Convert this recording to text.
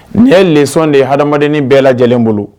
Nin lesɔnon de ye hadamadenini bɛɛ lajɛlenlen bolo